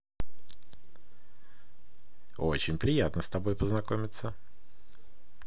очень приятно с тобой познакомиться